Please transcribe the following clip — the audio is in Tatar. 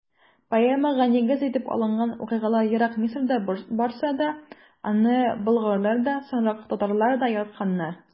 Поэмага нигез итеп алынган вакыйгалар ерак Мисырда барса да, аны болгарлар да, соңрак татарлар да яратканнар.